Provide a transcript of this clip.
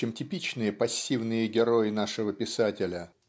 чем типичные пассивные герои нашего писателя